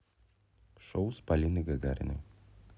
шоу с полиной гагариной